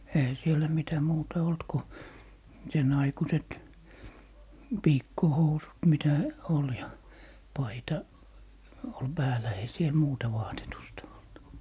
eihän siellä mitä muuta ollut kun sen aikuiset piikkohousut mitä oli ja paita oli päällä ei siellä muuta vaatetusta ollut